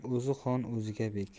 xon o'ziga bek